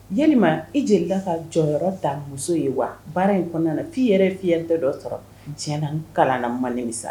Ya i jelila ka jɔyɔrɔ ta muso ye wa baara in kɔnɔna na' ii yɛrɛ fiyɛn tɛ dɔ sɔrɔ ti kalan na mandenmi sa